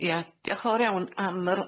Ie diolch yn fawr iawn am yr